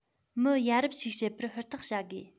མི ཡ རབས ཤིག བྱེད པར ཧུར ཐག བྱ དགོས